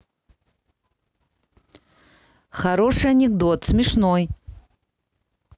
хороший анекдот смешной